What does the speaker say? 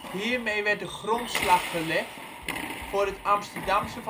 Hiermee werd de grondslag gelegd voor het Amsterdamse